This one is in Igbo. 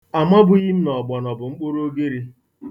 Amabughị m na ọgbọnọ bụ mkpụrụ ugiri.